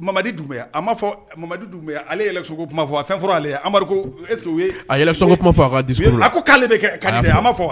Di a ma fɔ ale yɛlɛ kuma fɔ a fɛn fɔra ale amadu e a yɛlɛ so kuma fɔ a ka a ko k'ale bɛ ka a ma fɔ